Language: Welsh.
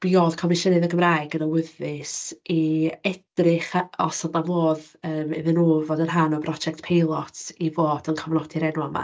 Buodd Comisiynydd y Gymraeg yn awyddus i edrych os oedd 'na fodd yym iddyn nhw fod yn rhan o brosiect peilot i fod yn cofnodi'r enwau 'ma.